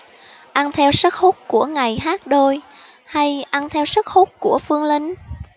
ăn theo sức hút của ngày hát đôi hay ăn theo sức hút của phương linh